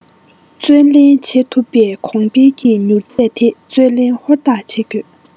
བཙོན ལེན བྱེད ཐུབ པའི གོང འཕེལ གྱི མྱུར ཚད དེ བཙོན ལེན ཧུར ཐག བྱེད དགོས